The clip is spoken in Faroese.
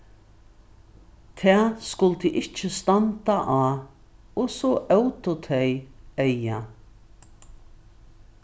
tað skuldi ikki standa á og so ótu tey eygað